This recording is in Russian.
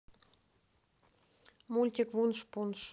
мультик вунш пунш